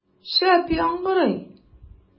Шәп яңгырый!